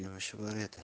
yumushi bor edi